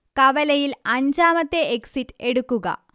കവലയിൽ അഞ്ചാമത്തെ എക്സിറ്റ് എടുക്കുക